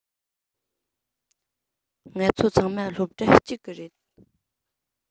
ང ཚོ ཚང མ སློབ གྲྭ གཅིག གི རེད